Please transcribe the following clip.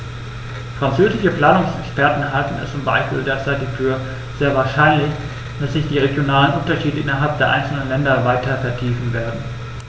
Französische Planungsexperten halten es zum Beispiel derzeit für sehr wahrscheinlich, dass sich die regionalen Unterschiede innerhalb der einzelnen Länder weiter vertiefen werden.